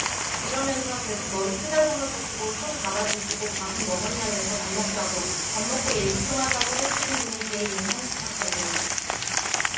이러면서 계속 머리 쓰다듬어주시고 손 잡아주시고 밥은 먹었냐면서 밥 먹자고 밥 먹고 얘기 좀 하자고 해 주신 분이 제일 인상 깊었어요